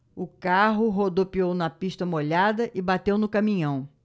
o carro rodopiou na pista molhada e bateu no caminhão